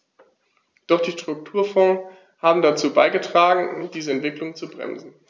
Doch die Strukturfonds haben dazu beigetragen, diese Entwicklung zu bremsen.